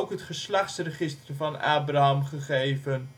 het geslachtsregister van Abraham gegeven